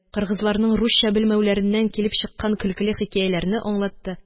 Кыргызларның русча белмәүләреннән килеп чыккан көлкеле хикәяләрне аңлатты